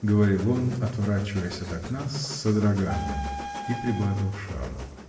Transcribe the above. — говорил он, отворачиваясь от окна с содроганием, и прибавил шагу.